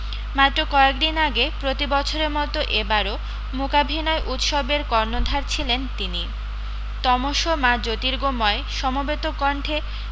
মাত্র কয়েক দিন আগে প্রতি বছরের মতো এ বারও মূকাভিনয় উৎসবের কর্ণধার ছিলেন তিনি তমসো মা জোতীর্গময় সমবেত কণ্ঠে